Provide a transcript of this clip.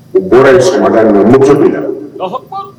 O bɔra ye suda ninnu mo bɛ la